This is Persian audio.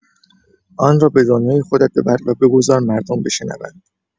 آن را به دنیای خودت ببر و بگذار مردم بشنوند.